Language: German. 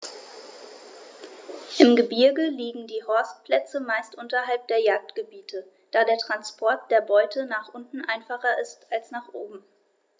Im Gebirge liegen die Horstplätze meist unterhalb der Jagdgebiete, da der Transport der Beute nach unten einfacher ist als nach oben.